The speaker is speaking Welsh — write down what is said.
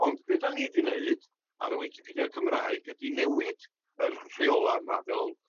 Ond be' 'dan ni 'di neud ar y wicipedia Cymraeg ydy newid yr rheola' yma fel